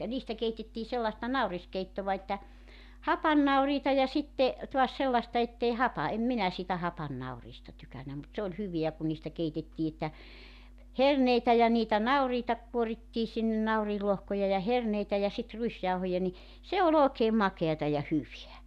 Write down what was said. ja niistä keitettiin sellaista nauriskeittoa että hapannauriita ja sitten taas sellaista että ei - en minä siitä hapannauriista tykännyt mutta se oli hyvää kun niistä keitettiin että herneitä ja niitä nauriita kuorittiin sinne nauriinlohkoja ja herneitä ja sitten ruisjauhoja niin se oli oikein makeata ja hyvää